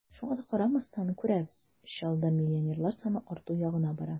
Шуңа да карамастан, күрәбез: Чаллыда миллионерлар саны арту ягына бара.